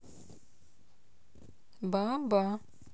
ба ба